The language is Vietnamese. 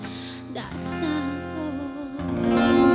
đã xa rồi